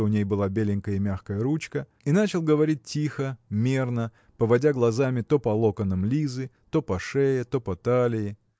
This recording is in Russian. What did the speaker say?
что у ней была беленькая и мягкая ручка – и начал говорить тихо мерно поводя глазами то по локонам Лизы то по шее то по талии.